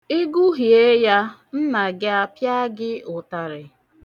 Ị gụhiee ya, nna gị apịa gị ụtarị.